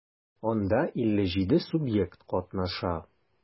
Анда 57 субъект катнаша.